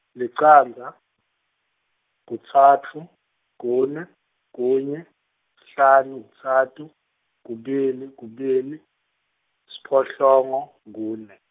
licandza, kutsatfu, kune, kunye, sihlanu, kutsatfu, kubili, kubili, siphohlongo, kune.